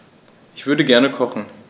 Ich würde gerne kochen.